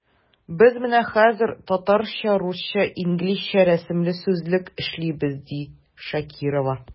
Без менә хәзер “Татарча-русча-инглизчә рәсемле сүзлек” эшлибез, ди Шакирова.